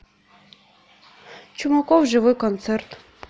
чумаков живой концерт